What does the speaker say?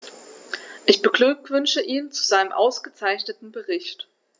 Ich beglückwünsche ihn zu seinem ausgezeichneten Bericht.